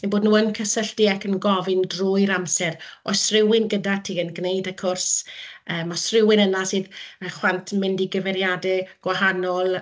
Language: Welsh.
eu bod nhw yn cysylltu ac yn gofyn drwy'r amser, "oes rywun gyda ti yn gwneud y cwrs, yym oes rywun yna sydd a chwant mynd i gyfeiriadau gwahanol"